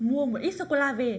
mua một ít sô cô la về